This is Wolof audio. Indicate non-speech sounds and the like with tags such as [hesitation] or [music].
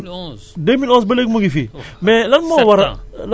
te nee nga Louga war na fee mën a def ñaari at je pense [hesitation]